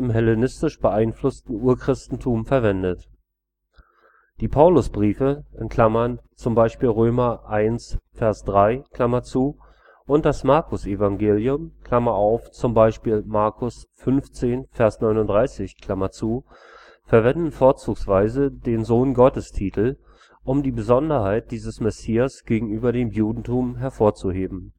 hellenistisch beeinflussten Urchristentum verwendet. Die Paulusbriefe (z. B. Röm 1,3) und das Markusevangelium (z. B. Mk 15,39) verwenden vorzugsweise den Sohn-Gottes-Titel, um die Besonderheit dieses Messias gegenüber dem Judentum hervorzuheben